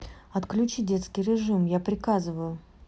отключи детский режим я приказываю